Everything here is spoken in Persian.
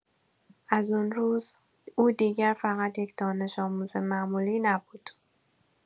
از آن روز، او دیگر فقط یک دانش‌آموز معمولی نبود.